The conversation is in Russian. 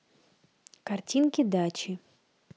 картинки дачи